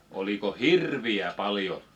oliko hirviä paljon